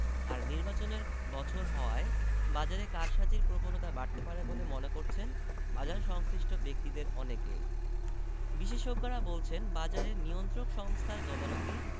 আর নির্বাচনের বছর হওয়ায় বাজারে কারসাজির প্রবণতা বাড়তে পারে বলে মনে করছেন বাজারসংশ্লিষ্ট ব্যক্তিদের অনেকে বিশেষজ্ঞরা বলছেন বাজারে নিয়ন্ত্রক সংস্থার তদারকি